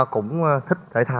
cũng thích thể thao